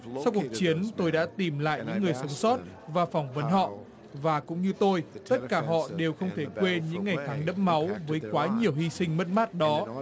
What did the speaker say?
sau cuộc chiến tôi đã tìm lại những người sống sót và phỏng vấn họ và cũng như tôi tất cả họ đều không thể quên những ngày tháng đẫm máu với quá nhiều hy sinh mất mát đó